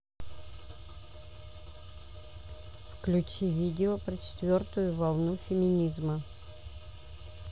включи видео про четвертую волну феминизма